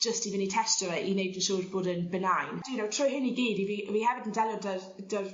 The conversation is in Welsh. jyst i fyn' i testio fe i neud yn siŵr bod e'n benign d'you know trw hyn i gyd i fi fi hefyd yn delio 'dy'r 'dy'r